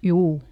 juu